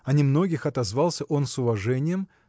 О немногих отозвался он с уважением